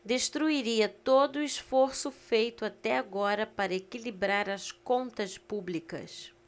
destruiria todo esforço feito até agora para equilibrar as contas públicas